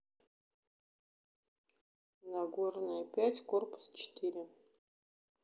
нагорная пять корпус четыре